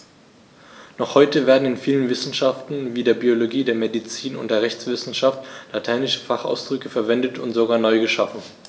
Noch heute werden in vielen Wissenschaften wie der Biologie, der Medizin und der Rechtswissenschaft lateinische Fachausdrücke verwendet und sogar neu geschaffen.